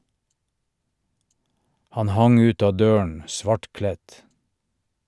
Han hang ut av døren, svartkledt.